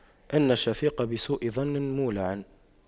إن الشفيق بسوء ظن مولع